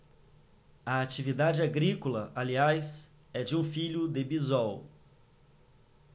a atividade agrícola aliás é de um filho de bisol